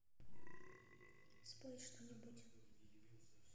спой что нибудь